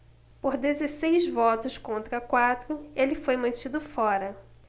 por dezesseis votos contra quatro ele foi mantido fora